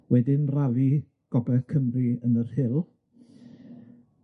Wedyn rali gogledd Cymru yn y Rhyl.